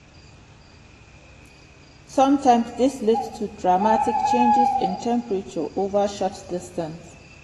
Sometimes this leads to dramatic changes in temperature over short distances.